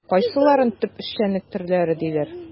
Кайсыларын төп эшчәнлек төрләре диләр?